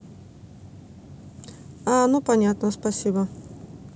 а ну понятно спасибо